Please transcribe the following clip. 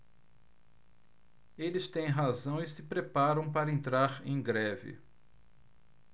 eles têm razão e se preparam para entrar em greve